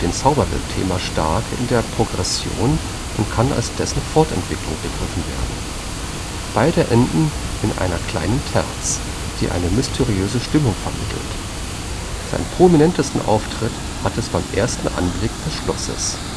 Zauberwelt-Thema stark in der Progression und kann als dessen Fortentwicklung begriffen werden. Beide enden in einer kleinen Terz, die eine mysteriöse Stimmung vermittelt. Seinen prominentesten Auftritt hat es beim ersten Anblick des Schlosses